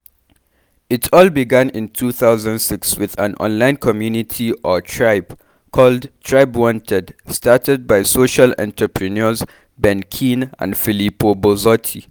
It all began in 2006 with an online community or “tribe” called TribeWanted started by social entrepreneurs Ben Keene and Filippo Bozotti.